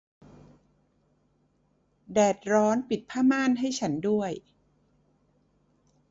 แดดร้อนปิดผ้าม่านให้ฉันด้วย